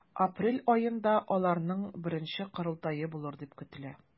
Апрель аенда аларның беренче корылтае булыр дип көтелә.